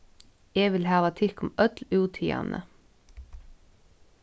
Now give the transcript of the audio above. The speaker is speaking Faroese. eg vil hava tykkum øll út hiðani